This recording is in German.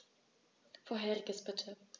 Vorheriges bitte.